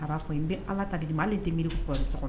A b'a fɔ n bɛ ala tadiki ma ale tɛ miiriɔri so kɔnɔ